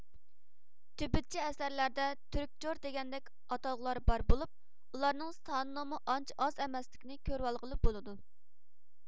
تۈبۈتچە ئەسەرلەردە تۈركچور دېگەندەك ئاتالغۇلار بار بولۇپ ئۇلارنىڭ سانىنىڭمۇ ئانچە ئاز ئەمەسلىكىنى كۆرۋالغىلى بولىدۇ